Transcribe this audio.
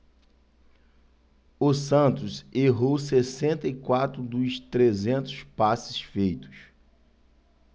o santos errou sessenta e quatro dos trezentos passes feitos